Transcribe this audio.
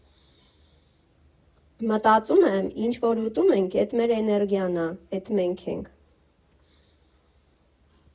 Մտածում եմ՝ ինչ որ ուտում ենք, էդ մեր էներգիան ա, էդ մենք ենք։